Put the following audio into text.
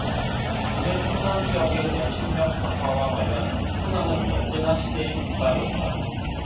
그는 호남지역의 원심력 강화와 관련 호남은 언제나 시대의 깃발이었다